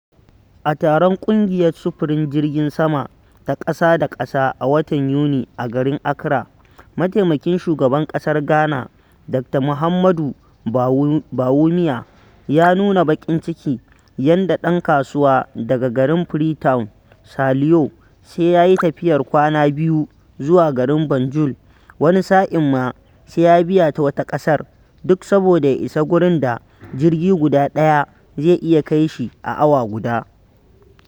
A taron ƙungiyar Sufurin Jirgin Sama ta ƙasa da ƙasa a watan Yuni a garin Accra, Mataimakin Shugaban ƙasar Gana, Dr, Mahamudu Bawumia, ya nuna baƙin cikin yadda "ɗan kasuwa daga garin Free Town [Saliyo] sai ya yi tafiyar kwana biyu zuwa garin Banjul (wani sa'in ma sai ya biya ta wata ƙasar) duk saboda ya isa gurin da jirgi guda ɗaya zai iya kai shi a awa guda".